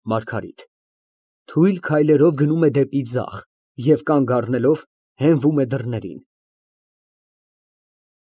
ՄԱՐԳԱՐԻՏ ֊ (Թույլ քայլերով գնում է դեպի ձախ, և կանգ առնելով, հենվում է դռներին) ։